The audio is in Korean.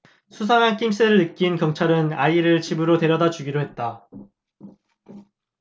수상한 낌새를 느낀 경찰은 아이를 집에 데려다 주기로 했다